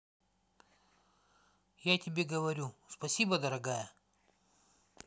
я тебе говорю спасибо дорогая